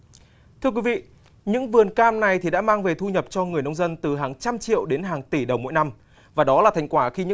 thưa quý vị những vườn cam này thì đã mang về thu nhập cho người nông dân từ hàng trăm triệu đến hàng tỷ đồng mỗi năm và đó là thành quả khi những